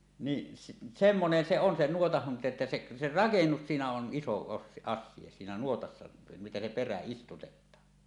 niin semmoinen se on nuotan hankinta että se se rakennus siinä on iso - asia siinä nuotassa miten se perä istutetaan